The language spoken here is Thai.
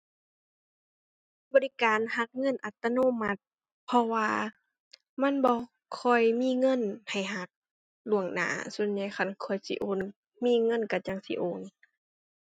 บริการหักเงินอัตโนมัติ เพราะว่ามันบ่ค่อยมีเงินให้หักล่วงหน้า ส่วนใหญ่คันข้อยสิโอน มีเงินก็จั่งสิโอน